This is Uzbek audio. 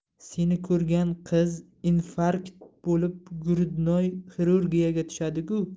seni ko'rgan qiz infarkt bo'lib grudnoy xirurgiyaga tushadiku